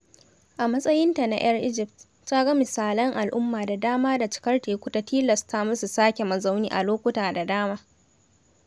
A matsayinta na 'yar Egypt ta ga misalan al'umma da dama da cikar teku ya tilasa ta musu sake mazauni a lokuta da dama.